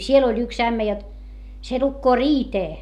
siellä oli yksi ämmä jotta se lukee riiteä